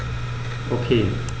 Okay.